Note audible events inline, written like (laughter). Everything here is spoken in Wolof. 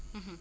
(hesitation) (hesitation)